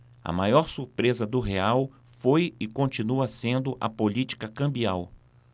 a maior surpresa do real foi e continua sendo a política cambial